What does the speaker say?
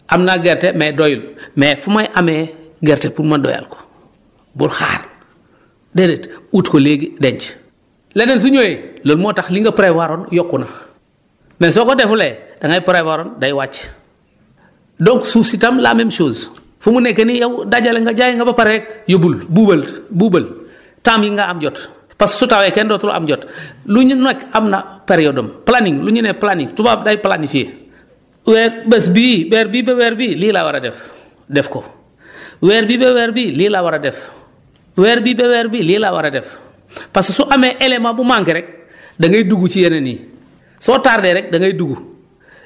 am naa gerte mais doyul mais fu may amee gerte pour ma doyal ko bul xaar déedéet ut ko léegi denc leneen su ñëwee loolu moo tax li nga prévoir yokk na mais soo ko defulee da ngay prévoir day wàcc donc suuf si tam la même chose fu mu nekk nii yow dajale nga jaay nga ba pare rek yóbbul buubal buubal temps bii nga am jot parce que su tawee kenn dootul am jot lu ñu nekk am na période am planning lu ñu ne planning tubaab day planifier weer bés bii weer bii ba weer bii lii laa war a def def ko weer bii ba weer bii lii laa war a def weer bii ba weer bii lii laa war a def parce que su amee élément bu mu manqué rek da ngay dugg ci yeneen yi soo tardé rek da ngay dugg